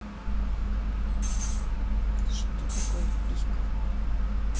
что такое писька